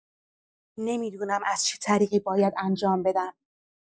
نمی‌دونم از چه طریقی باید انجام بدم.